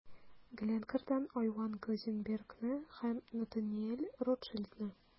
Glencore'дан Айван Глазенбергны һәм Натаниэль Ротшильдны.